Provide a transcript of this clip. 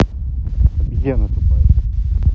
обезьяна тупая